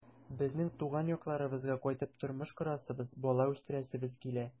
Безнең туган якларыбызга кайтып тормыш корасыбыз, бала үстерәсебез килә.